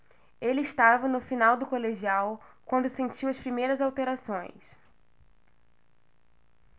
ele estava no final do colegial quando sentiu as primeiras alterações